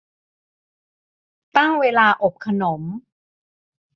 ตั้งเวลาอบขนม